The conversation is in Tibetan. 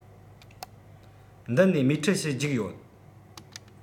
མདུན ནས མས ཁྲིད ཞིག རྒྱུགས ཡོད